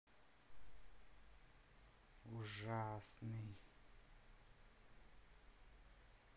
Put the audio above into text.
ужасный